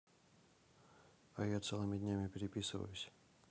а я целыми днями переписываюсь